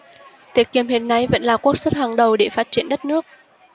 tiết kiệm hiện nay vẫn là quốc sách hàng đầu để phát triển đất nước